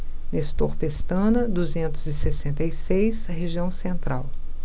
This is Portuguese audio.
nestor pestana duzentos e sessenta e seis região central